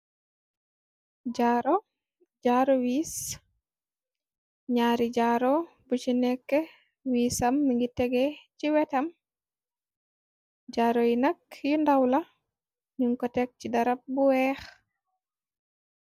Jaaru wiis naari jaaro bu ci nekk wiisam mingi tege ci wetam. Jaaro yi nak yu ndaw la ñun ko teg ci darab bu weex.